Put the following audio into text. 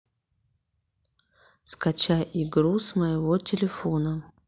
скачай игру с моего телефона